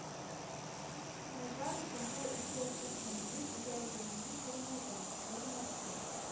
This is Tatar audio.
Наҗар соңгы ике чакрымны тирә-юньне күрмәгән, бернәрсә